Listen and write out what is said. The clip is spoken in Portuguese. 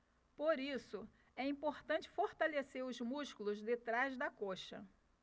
por isso é importante fortalecer os músculos de trás da coxa